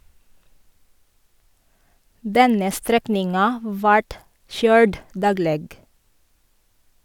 Denne strekninga vart køyrd dagleg.